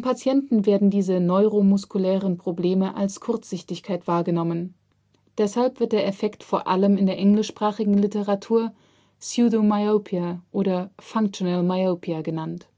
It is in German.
Patienten werden diese neuromuskulären Probleme als Kurzsichtigkeit wahrgenommen, deshalb wird der Effekt vor allem in der englischsprachigen Literatur pseudomyopia oder functional myopia genannt.